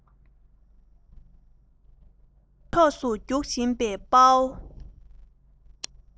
ཕོ བ ན འཕག འཚག རྒྱག བཞིན འདུག